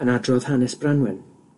yn adrodd hanes Branwen